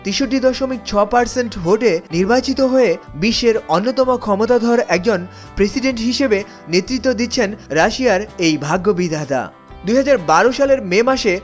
৬৩ দশমিক ৬৫ শতাংশ ভোটে নির্বাচিত হয়ে বিশ্বের অন্যতম ক্ষমতাধর একজন প্রেসিডেন্ট হিসেবে নেতৃত্ব দিচ্ছেন রাশিয়ার এই ভাগ্য বিধাতা ২০১২ সালের মে মাসে